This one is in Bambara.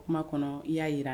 Kuma kɔnɔ i y'a jirara